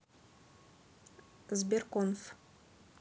сберконф